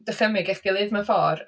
Dychymyg eich gilydd mewn ffor'.